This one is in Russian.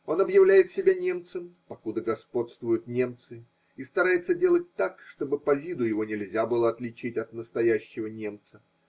Он объявляет себя немцем, покуда господствуют немцы, и старается делать так, чтобы по виду его нельзя было отличить от настоящего немца.